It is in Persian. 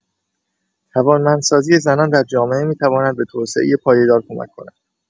توانمندسازی زنان در جامعه می‌تواند به توسعه پایدار کمک کند.